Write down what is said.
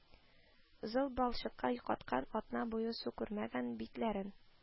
Зыл балчыкка каткан, атна буе су күрмәгән битләрен